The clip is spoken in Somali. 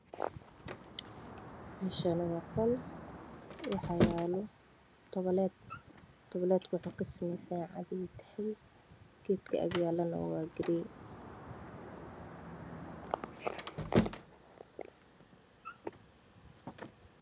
Meeshani waa qol waxaa yaalo tobaled tobaledku wuxu kasamysn yahya gedka agyaalana waa girii